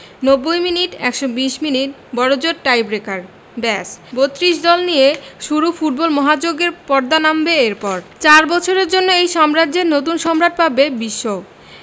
৯০ minute ১২০ minute বড়জোর tiebreaker ব্যস ৩২ দল নিয়ে শুরু ফুটবল মহাযজ্ঞের পর্দা নামবে এরপর চার বছরের জন্য এই সাম্রাজ্যের নতুন সম্রাট পাবে বিশ্ব